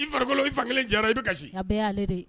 I farakolon i fan kelen jara i bɛ kasi